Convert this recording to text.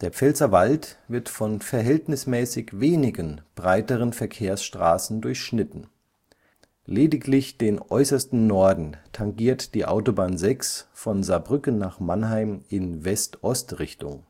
Pfälzerwald wird von verhältnismäßig wenigen breiteren Verkehrsstraßen durchschnitten. Lediglich den äußersten Norden tangiert die Autobahn 6 (Saarbrücken – Mannheim, West-Ost-Richtung